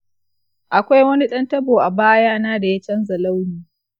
akwai wani ɗan tabo a bayana da ya canza launi.